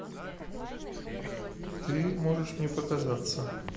ты можешь мне показаться